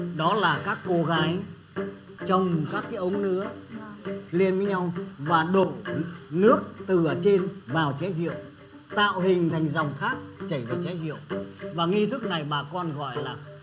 đó là các cô gái trồng các cái ống nứa lên với nhau và đổ nước từ ở trên vào chén rượu tạo hình thành dòng thác chảy vào chén rượu và nghi thức này bà con gọi là